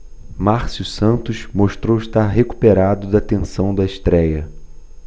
márcio santos mostrou estar recuperado da tensão da estréia